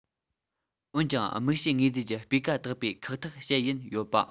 འོན ཀྱང དམིགས བྱའི དངོས རྫས ཀྱི སྤུས ཀ དག པའི ཁག ཐེག བྱེད ཡུན ཡོད པ